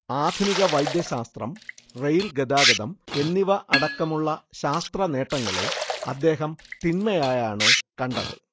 ആധുനിക വൈദ്യശാസ്ത്രം റെയിൽ ഗതാഗതം എന്നിവ അടക്കമുള്ള ശാസ്ത്രനേട്ടങ്ങളെ അദ്ദേഹം തിന്മയായാണ് കണ്ടത്